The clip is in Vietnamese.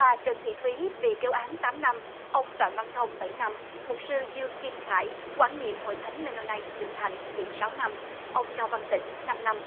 bà trần thị thúy bị kêu án tám năm ông phạm văn thông bảy năm mục sư dương kim khải quản nhiệm hội thánh mê nô nai bình thạnh bị sáu năm ông cao văn tỉnh năm năm